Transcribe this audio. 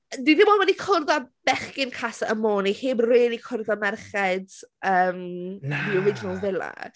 Fi ddim ond wedi cwrdd a bechgyn Casa Amor, ni heb really cwrdd a merched, yym... Na! ...the original villa.